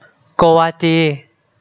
โกวาจี